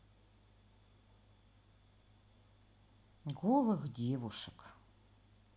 голых девушек